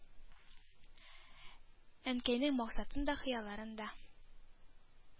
Әнкәйнең максатын да, хыялларын да,